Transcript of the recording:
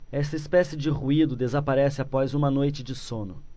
esta espécie de ruído desaparece após uma noite de sono